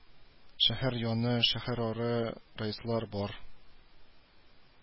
Шәһәр яны, шәһәрара рейслар бар